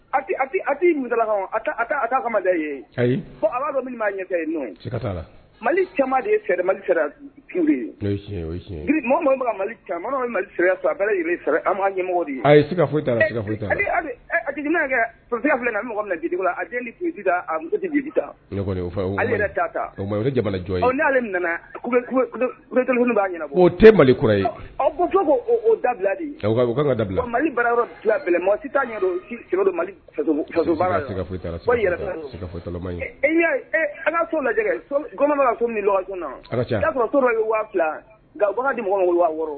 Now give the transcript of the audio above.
Apitala kama ayi ala min'a ɲɛ ye mali caman de ye mali mɔgɔ ka mali caman mali sɔrɔ a sara an ɲɛmɔgɔ a ka a jum kɛya filɛ mɔgɔ minɛ la a jamana jɔn ni'ale min nana b'a ɲɛna mali kura ye awo dabila ka dabila mali bara yɔrɔ ala lajɛ ni ɲɔgɔn'a sɔrɔ tora waa fila di mɔgɔ